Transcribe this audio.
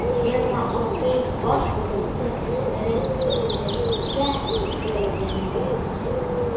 Ферма 600 баш мөгезле эре терлеккә исәпләнгән.